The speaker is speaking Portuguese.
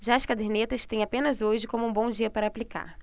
já as cadernetas têm apenas hoje como um bom dia para aplicar